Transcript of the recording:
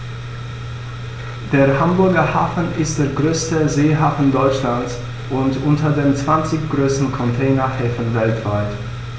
Der Hamburger Hafen ist der größte Seehafen Deutschlands und unter den zwanzig größten Containerhäfen weltweit.